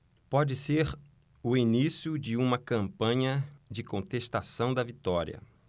pode ser o início de uma campanha de contestação da vitória